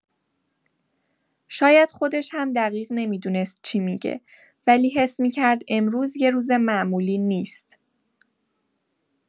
شاید خودش هم دقیق نمی‌دونست چی می‌گه، ولی حس می‌کرد امروز یه روز معمولی نیست.